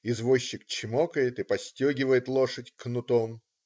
Извозчик чмокает и постегивает лошадь кнутом.